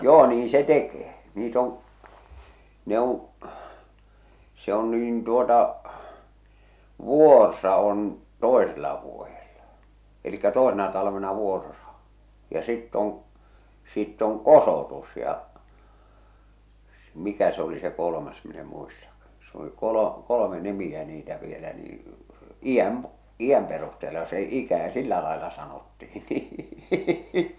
joo niin se tekee niitä on ne on se on niin tuota vuorsa on toisella vuodella eli toisena talvena vuorsa ja sitten on sitten on kosotus ja - mikä se oli se kolmas minä en muistakaan se oli - kolme nimeä niitä vielä niin iän iän perusteella se ikä sillä lailla sanottiin niin